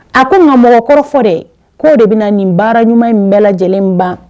A ko nka mɔgɔ kɔrɔfɔ fɔ dɛ k'o de bɛna na nin baara ɲuman in bɛɛ lajɛlen ban